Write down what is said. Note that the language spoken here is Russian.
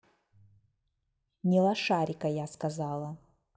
не лошарика я сказала